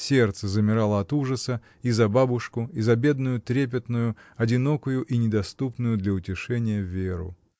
Сердце замирало от ужаса и за бабушку, и за бедную, трепетную, одинокую и недоступную для утешения Веру.